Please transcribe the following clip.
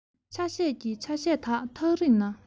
ཆ ཤས ཀྱི ཆ ཤས དག ཐག རིང ན